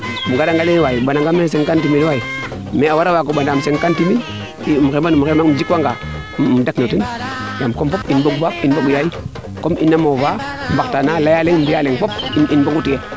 i ngara nga leyong xaye ɓaɗa ngaam mene 50 mille waay mais a wara waago mbanaam 50 mille i im xemban im jik wa nga im daknin o ten yaam comme fop in mbogu faap in mbogu yaay comme ina moofa mbaxtana leya leŋ mbiya leŋ fop in mbogu tiye